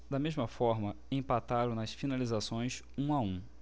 da mesma forma empataram nas finalizações um a um